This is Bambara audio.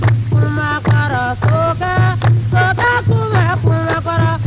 kumakɔrɔ sokɛ sokɛ kun bɛ kumakɔrɔ